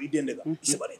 I'i dɛmɛ sabali